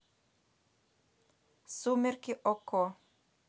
сумерки окко